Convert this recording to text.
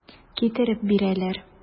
Китереп бирәләр.